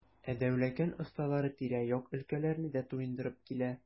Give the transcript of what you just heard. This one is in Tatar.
Ә Дәүләкән осталары тирә-як өлкәләрне дә туендырып килә.